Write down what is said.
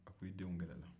a ko i denw kɛlɛla